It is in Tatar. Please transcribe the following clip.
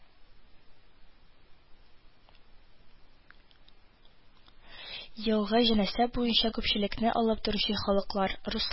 Елгы җанисәп буенча күпчелекне алып торучы халыклар: руслар